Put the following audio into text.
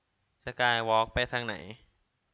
สกายวอล์คไปทางไหน